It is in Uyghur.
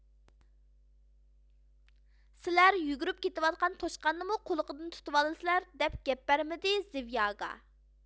سىلەر يۈگۈرۈپ كېتىۋاتقان توشقاننىمۇ قۇلىقىدىن تۇتۇۋالىسىلەر دەپ گەپ بەرمىدى زىۋياگا